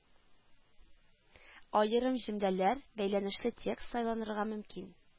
Аерым җөмлəлəр, бəйлəнешле текст сайланырга мөмкин